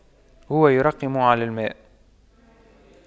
هو يرقم على الماء